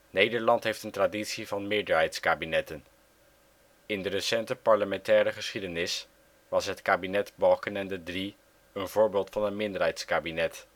Nederland heeft een traditie van meerderheidskabinetten. In de recente parlementaire geschiedenis was het kabinet-Balkenende III een voorbeeld van een minderheidskabinet